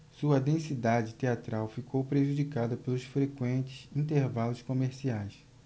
sua densidade teatral ficou prejudicada pelos frequentes intervalos comerciais